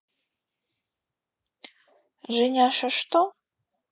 женяша что